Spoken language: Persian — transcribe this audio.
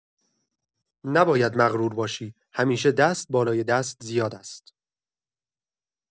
نباید مغرور باشی، همیشه دست بالای دست زیاد است.